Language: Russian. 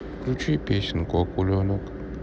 включи песенку акуленок